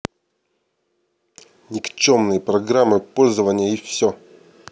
никчемные программы пользование и все